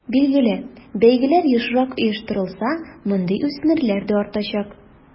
Билгеле, бәйгеләр ешрак оештырылса, мондый үсмерләр дә артачак.